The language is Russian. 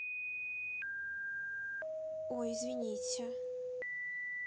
ой извините